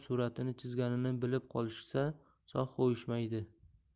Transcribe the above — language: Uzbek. suratini chizganini bilib qolishsa sog' qo'yishmaydi